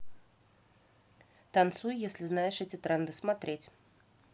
танцуй если знаешь эти тренды смотреть